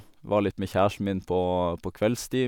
Var litt med kjæresten min på på kveldstid.